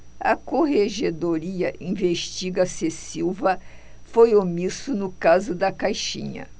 a corregedoria investiga se silva foi omisso no caso da caixinha